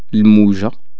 الموجة